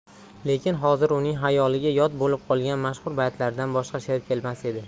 lekin hozir uning xayoliga yod bo'lib qolgan mashhur baytlardan boshqa sher kelmas edi